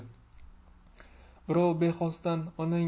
birov bexosdan onang o'ldi